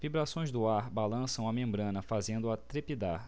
vibrações do ar balançam a membrana fazendo-a trepidar